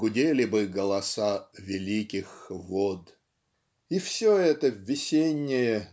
гудели бы голоса великих вод". И все это весеннее